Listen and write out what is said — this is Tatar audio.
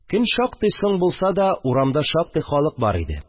Көн шактый соң булса да, урамда шактый халык бар иде